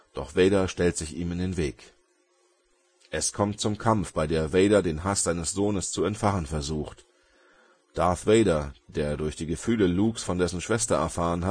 doch Vader stellt sich ihm in den Weg. Es kommt zum Kampf, bei der Vader den Hass seines Sohnes zu entfachen versucht. Darth Vader, der durch die Gefühle Lukes von dessen Schwester erfahren hat, macht